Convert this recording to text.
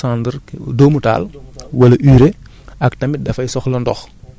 ak nu mu tudd cendre dóomu taal